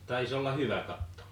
taisi olla hyvä katto